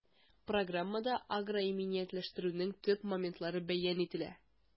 Программада агроиминиятләштерүнең төп моментлары бәян ителә.